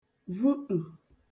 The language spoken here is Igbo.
vuṭù